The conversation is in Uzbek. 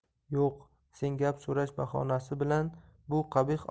yo'q sen gap so'rash bahonasi bilan bu qabih